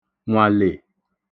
nwàlè